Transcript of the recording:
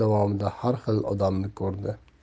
har xil odamni ko'rdi